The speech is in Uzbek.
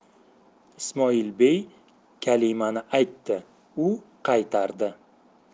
ismoilbey kalimani aytdi u qaytardi